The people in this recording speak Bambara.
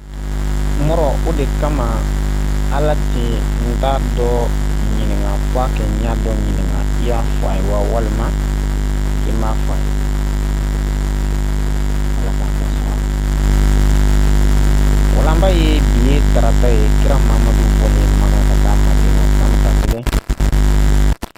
O de kama ala tɛ n'a dɔ ɲininka kɛ ɲininka i ye wa walima i m ma ye waba ye bi tata ye kiramadu